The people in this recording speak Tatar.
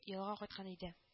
Ялга кайткан иде